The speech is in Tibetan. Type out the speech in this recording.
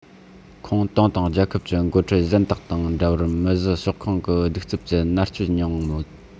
ཁོང ཏང དང རྒྱལ ཁབ ཀྱི འགོ ཁྲིད གཞན དག དང འདྲ བར མི བཞི ཤོག ཁག གི གདུག རྩུབ གྱི མནར གཅོད མྱངས མོད